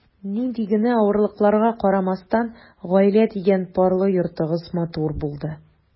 Нинди генә авырлыкларга карамастан, “гаилә” дигән парлы йортыгыз матур булды.